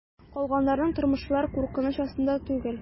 Калганнарның тормышлары куркыныч астында түгел.